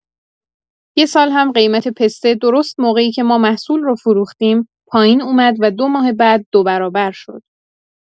یه سال هم قیمت پسته درست موقعی که ما محصول رو فروختیم، پایین اومد و دو ماه بعد دو برابر شد.